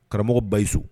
Karamɔgɔ Bahisi